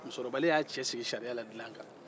musokɔrɔbalen y'a cɛ sigi sariya la dilan kan